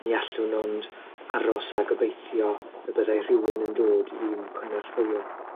Ni allwn ond aros a gobeithio y byddai rhywun yn dod i'm cynorthwyo.